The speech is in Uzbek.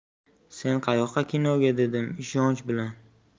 sen qayoqqa kinoga dedim ishonch bilan